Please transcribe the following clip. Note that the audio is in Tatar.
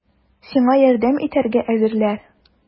Сиңа ярдәм итәргә әзерләр!